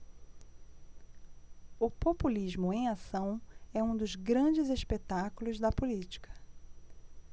o populismo em ação é um dos grandes espetáculos da política